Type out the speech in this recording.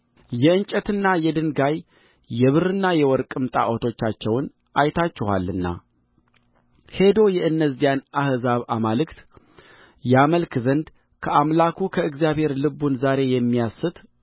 የእንጨትና የድንጋይ የብርና የወርቅም ጣዖቶቻቸውን አይታችኋልና ሄዶ የእነዚያን አሕዛብ አማልክት ያመልክ ዘንድ ከአምላኩ ከእግዚአብሔር ልቡን ዛሬ የሚያስት